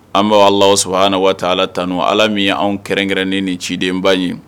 An bɛ ala sɔrɔ an na waati ala tan ala min ye anw kɛrɛnkɛrɛnnen ni cidenba ye